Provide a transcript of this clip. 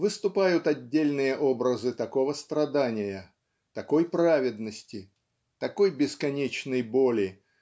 выступают отдельные образы такого страдания такой праведности такой бесконечной боли